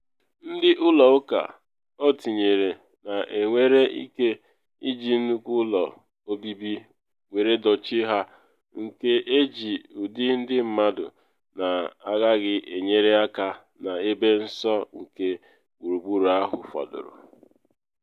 Ndị ụlọ ụka, o tinyere, na enwere ike iji nnukwu ụlọ obibi nwere dochie ha, nke eji ụdị ndị mmadụ na agaghị enyere aka n’ebe nsọ nke gburugburu ahụ fọdụrụ.